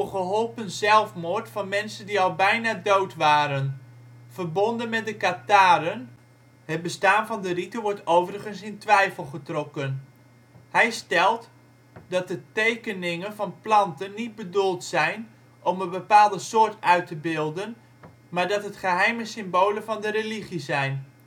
geholpen zelfmoord van mensen die al bijna dood waren, verbonden met de katharen (het bestaan van de rite wordt overigens in twijfel getrokken). Hij stelt dat de tekeningen van planten niet bedoeld zijn om een bepaalde soort uit te beelden, maar dat het geheime symbolen van de religie zijn